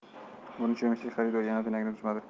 burni cho'michdek xaridor yana pinagini buzmadi